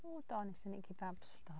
Ww do. Wnes 'di wneud kebabs do.